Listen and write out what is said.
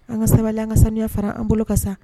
An ka sabali an ka samiya fara an bolo ka sa